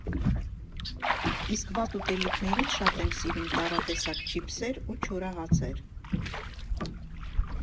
Իսկ «վատ» ուտելիքներից շատ եմ սիրում տարատեսակ չիփսեր ու չորահացեր։